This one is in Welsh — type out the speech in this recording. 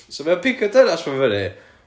so mae o'n pigo dynes 'ma fyny